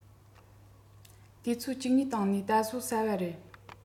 དུས ཚོད གཅིག གཉིས སྟེང ནས ད གཟོད ཟ བ རེད